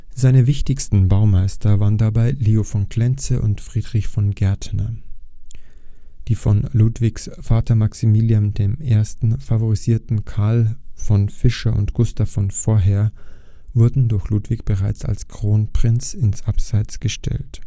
Seine wichtigsten Baumeister waren dabei Leo von Klenze und Friedrich von Gärtner. Die von Ludwigs Vater Maximilian I. favorisierten Karl von Fischer und Gustav von Vorherr wurden durch Ludwig bereits als Kronprinz ins Abseits gestellt